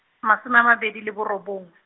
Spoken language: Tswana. masome a mabedi le borobong.